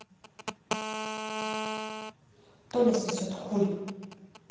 толя сосет хуй